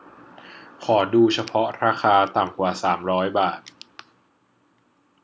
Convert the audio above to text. ขอดูเฉพาะราคาต่ำกว่าสามร้อยบาท